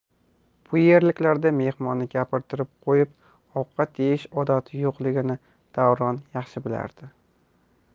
bu yerliklarda mehmonni gapirtirib qo'yib ovqat yeyish odati yo'qligini davron yaxshi bilardi